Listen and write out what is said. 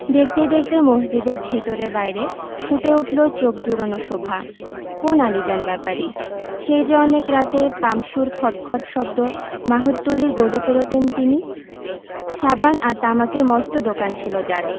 দেখতে দেখতে মসজিদের ভেতরে বাইরে ফুটে উঠলো চোখ জুড়োনো শোভা কোন আলীজান ব্যাপারী সেই যে অনেক রাতে পাম্পসুর খট খট শব্দ মাহুতটুলির গলি পেরুতেন তিনি সাবান আর তামাকের মস্ত দোকান ছিল যার